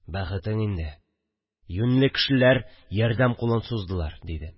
– бәхетең инде, юньле кешеләр ярдәм кулын суздылар, – диде